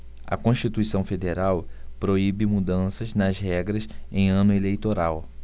a constituição federal proíbe mudanças nas regras em ano eleitoral